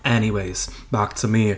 Anyways, back to me.